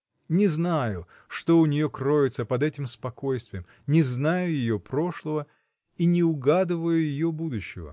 Не знаю, что у нее кроется под этим спокойствием, не знаю ее прошлого и не угадываю будущего.